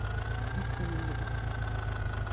Бик күңелле булып китте.